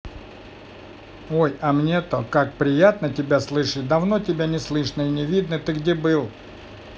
ой а мне то как приятно тебя слышать давно тебя не слышно и не видно ты где был